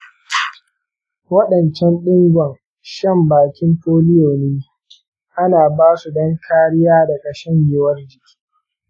waɗancan ɗigon shan bakin polio ne, ana ba su don kariya daga shanyewar jiki.